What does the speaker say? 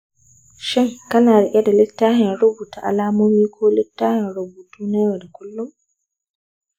shin kana riƙe littafin rubuta alamomi ko littafin rubutu na yau da kullum?